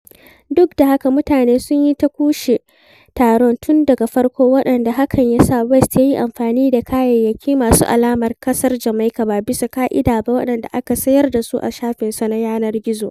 Duk da haka, mutane sun yi ta kushe taron tun daga farko, wanda hakan ya sa West ya yi amfani da kayayyaki masu alamar ƙasar Jamaikan ba bisa ƙa'ida ba waɗanda aka sayar da su a shafinsa na yanar gizo.